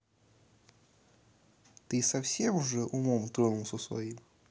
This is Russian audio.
ты совсем уже умом тронулась своим